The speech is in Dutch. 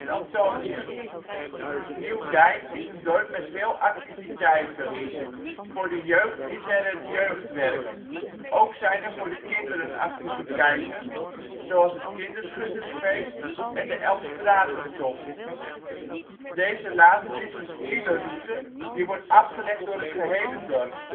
Antonius. Nieuw-Dijk is een dorp met veel activiteiten. Voor de jeugd is er het jeugdwerk. Ook zijn er voor de kinderen activiteiten, zoals het kinderschuttersfeest en de Elfstratentocht. Deze laatste is een skeelerroute die wordt afgelegd door het gehele dorp